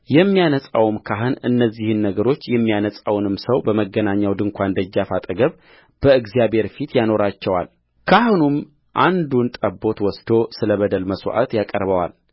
የሚያነጻውም ካህን እነዚህን ነገሮች የሚነጻውንም ሰው በመገናኛው ድንኳን ደጃፍ አጠገብ በእግዚአብሔር ፊት ያኖራቸዋልካህኑም አንዱን ጠቦት ወስዶ ስለ በደል መሥዋዕት ያቀርበዋል